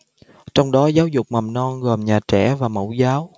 trong đó giáo dục mầm non gồm nhà trẻ và mẫu giáo